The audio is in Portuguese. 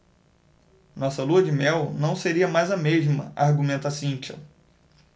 nossa lua-de-mel não seria mais a mesma argumenta cíntia